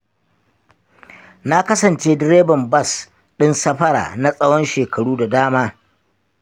na kasance direban bas ɗin safara na tsawon shekaru da dama.